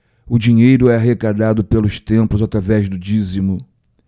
o dinheiro é arrecadado pelos templos através do dízimo